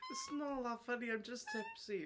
It's not that funny, I'm just tipsy.